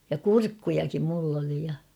ja kurkkujakin minulla oli ja